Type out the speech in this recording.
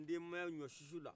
nden bɛ ɲɔsusu la